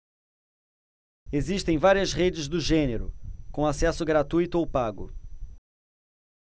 existem várias redes do gênero com acesso gratuito ou pago